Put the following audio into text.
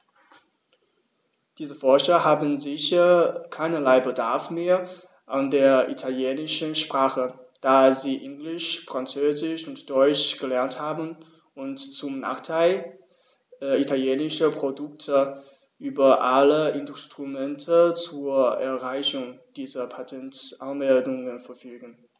Diese Forscher haben sicher keinerlei Bedarf mehr an der italienischen Sprache, da sie Englisch, Französisch und Deutsch gelernt haben und, zum Nachteil italienischer Produkte, über alle Instrumente zur Einreichung dieser Patentanmeldungen verfügen.